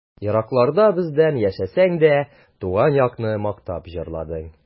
Еракларда бездән яшәсәң дә, Туган якны мактап җырладың.